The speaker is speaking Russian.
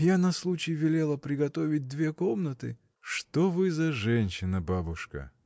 Я на случай велела приготовить две комнаты. — Что вы за женщина, бабушка!